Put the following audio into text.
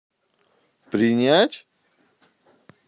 принять